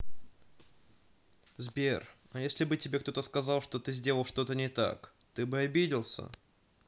сбер а если тебе кто то сказал что ты сделал что то не так ты бы обиделся